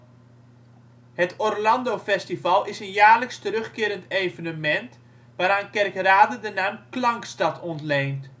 Orlandofestival is een jaarlijks terugkerend evenement waaraan Kerkrade de naam " Klankstad " ontleend